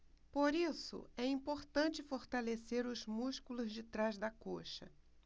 por isso é importante fortalecer os músculos de trás da coxa